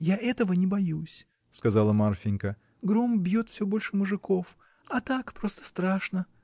— Я этого не боюсь, — сказала Марфинька, — гром бьет всё больше мужиков, — а так, просто страшно!